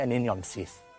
yn unionsyth.